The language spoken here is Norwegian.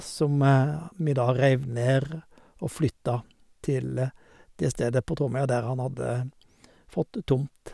Som vi da reiv ned og flytta til det stedet på Tromøya der han hadde fått tomt.